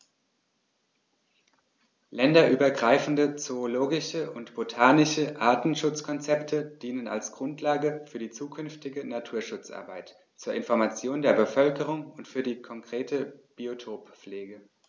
Länderübergreifende zoologische und botanische Artenschutzkonzepte dienen als Grundlage für die zukünftige Naturschutzarbeit, zur Information der Bevölkerung und für die konkrete Biotoppflege.